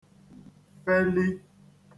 feli